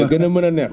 gën a mën a neex